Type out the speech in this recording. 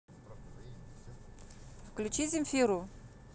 включи земфиру